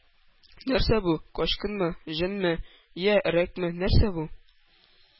Нәрсә бу? Качкынмы, җенме? Йә өрәкме, нәрсә бу?